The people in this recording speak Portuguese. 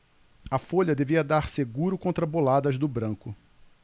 a folha devia dar seguro contra boladas do branco